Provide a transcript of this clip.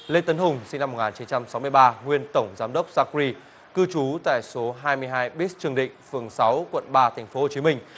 lê tấn hùng sinh năm một ngàn chín trăm sáu mươi ba nguyên tổng giám đốc xạc ri cư trú tại số hai mươi hai bít trương định phường sáu quận ba thành phố hồ chí minh